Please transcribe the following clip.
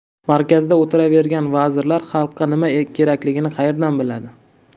markazda o'tiravergan vazirlar xalqqa nima kerakligini qayerdan biladi